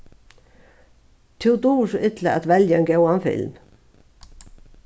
tú dugir so illa at velja ein góðan film